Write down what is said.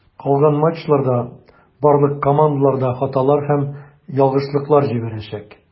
Калган матчларда барлык командалар да хаталар һәм ялгышлыклар җибәрәчәк.